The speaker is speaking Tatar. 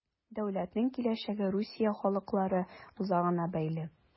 Дәүләтнең киләчәге Русия халыклары үзаңына бәйле.